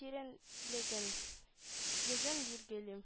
тирәнлеген, йөзен билгели